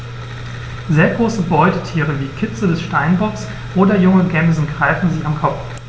Sehr große Beutetiere wie Kitze des Steinbocks oder junge Gämsen greifen sie am Kopf.